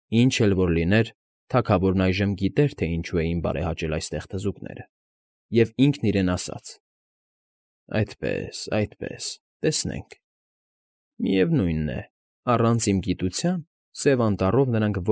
Ինչ էլ որ լիներ, թագավորն այժմ գիտեր, թե ինչու էին բարեհաճել այստեղ թզուկները, և ինքն իրեն ասաց. «Այդպե՜ս, այդպե՜ս… Տեսնենք… Միևնույն է, առանց իմ գիտության Սև Անտառով նրանք։